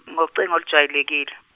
ngocingo olujwayelikile.